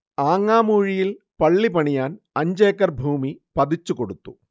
ആങ്ങമൂഴിയിൽ പള്ളി പണിയാൻ അഞ്ചേക്കർ ഭൂമി പതിച്ചു കൊടുത്തു